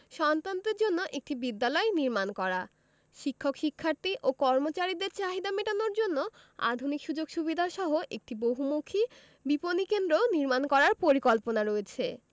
সন্তানদের জন্য একটি বিদ্যালয় নির্মাণ করা শিক্ষক শিক্ষার্থী ও কর্মচারীদের চাহিদা মেটানোর জন্য আধুনিক সুযোগ সুবিধাসহ একটি বহুমুখী বিপণি কেন্দ্রও নির্মাণ করার পরিকল্পনা রয়েছে